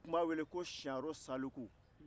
u tun b'a wele ko saro saliku